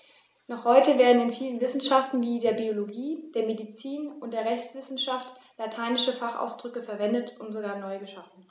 Noch heute werden in vielen Wissenschaften wie der Biologie, der Medizin und der Rechtswissenschaft lateinische Fachausdrücke verwendet und sogar neu geschaffen.